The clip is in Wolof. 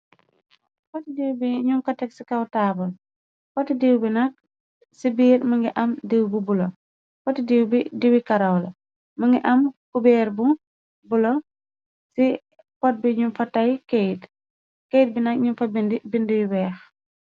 Poti diiw bi ñu ko teg ci kaw taabal. Xoti diiw bi nag, ci biir më ngi am diiw bu bulo, xoti diiw bi diiwi karaw la. Mëngi am kubeer bu bulo, ci pot bi ñu fa tay keyt, keyt bi nag ñu fa bind bind yu beex.